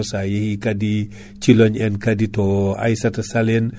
sa yeehi kaadi Thilogne en kaadi to Aissata Sall en